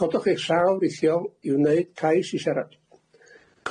Codwch eich llaw rhithiol i wneud cais i siarad.